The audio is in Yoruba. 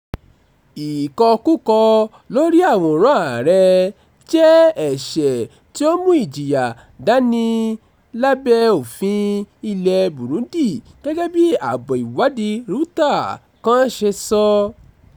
Ìkọkúkọ [lórí àwòrán Ààrẹ] jẹ́ ẹ̀ṣẹ̀ tí ó mú ìjìyà dání lábẹ́ òfin ilẹ̀ Burundi gẹ́gẹ́ bí àbọ̀ ìwádìí Reuters kán ṣe sọ.